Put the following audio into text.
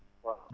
waaw